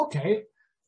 Oce.